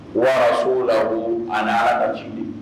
Waraso la ani ala ka jigin